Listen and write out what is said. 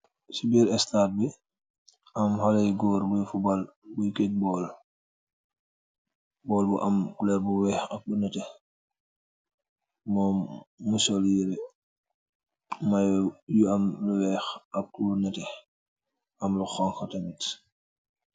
Se birr estate bi am haleh yu goor buye football buye kick ball, ball bu am coloor bu weeh ak lu neete, mum mu sol yere mayu yu am lu weeh ak lu neete am lu honha tamin.